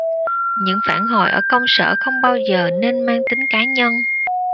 những phản hồi ở công sở không bao giờ nên mang tính cá nhân